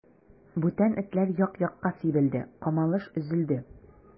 Бүтән этләр як-якка сибелде, камалыш өзелде.